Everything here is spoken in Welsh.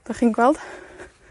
'Dych chi'n gweld?